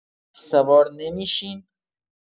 سوار نمی‌شین؟